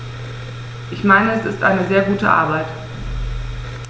Ich meine, es ist eine sehr gute Arbeit.